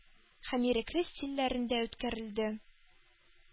Һәм ирекле стильләрендә үткәрелде,